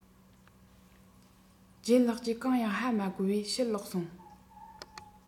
ལྗད ལགས ཀྱིས གང ཡང ཧ མ གོ བར ཕྱིར ལོག ཕྱིན